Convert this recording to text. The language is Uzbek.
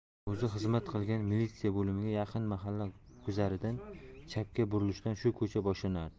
o'zi xizmat qilgan militsiya bo'limiga yaqin mahalla guzaridan chapga burilishdan shu ko'cha boshlanardi